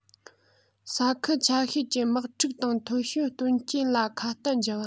ས ཁུལ ཆ ཤས ཀྱི དམག འཁྲུག དང ཐོལ བྱུང དོན རྐྱེན ལ ཁ གཏད འཇལ བ